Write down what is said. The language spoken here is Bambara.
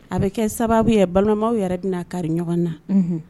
A bɛ kɛ sababu ye balimamanw yɛrɛ bɛna kari ɲɔgɔn na; Unhun.